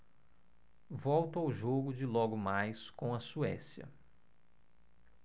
volto ao jogo de logo mais com a suécia